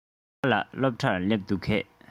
ཟླ བ ལགས སློབ གྲྭར སླེབས འདུག གས